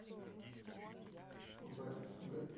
в г